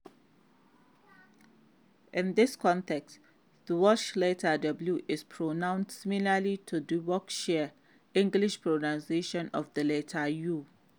In this context The Welsh letter w is pronounced similarly to the Yorkshire English pronunciation of the letter u.